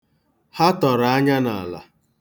Ha tọrọ anya n'ala.